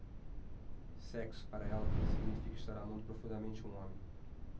sexo para ela significa estar amando profundamente um homem